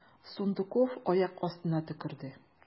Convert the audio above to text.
Сундуков аяк астына төкерде.